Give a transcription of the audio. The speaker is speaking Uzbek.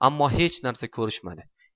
ammo hech narsa ko'rishmadi